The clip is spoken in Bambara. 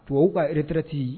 Tubabu ka retraite